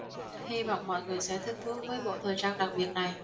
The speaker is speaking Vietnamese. hy vọng mọi người sẽ thích thú với bộ thời trang đặc biệt này